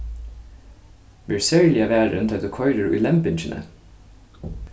ver serliga varin tá tú koyrir í lembingini